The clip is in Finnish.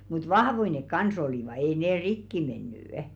mutta vahvoja ne kanssa olivat ei ne rikki mennyt